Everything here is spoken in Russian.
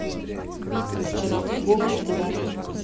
гоголь тв